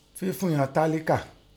Fẹ́fún ìghan tálíkà.